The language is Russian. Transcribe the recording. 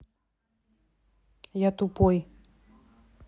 я тупой